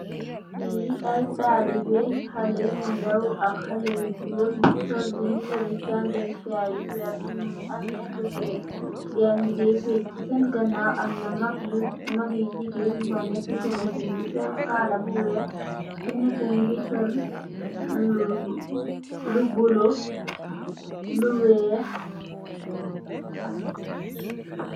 Fii aiiy talibeh haleh yu ndaw ak haleh yu gorre njungy sol sehn yehreh jàngekaay yu vertu mungy ameh lu wekh, gaii njungeh fetchi, cii sehn ganaw amna mak yu, mak yu gigain yufa neku, kenah kii mungy sol kaarlah bu wekh, kenah kii mungy sol lu, lu bleu, lu wekh.